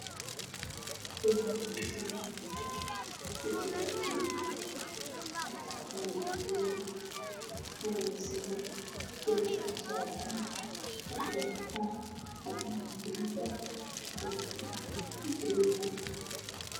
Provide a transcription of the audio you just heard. Meeshan waxaa fadhida gabar dhar toleysa waxay wadataa xijaab binka ah